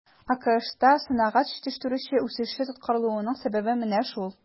АКШта сәнәгать җитештерүе үсеше тоткарлануның сәбәбе менә шул.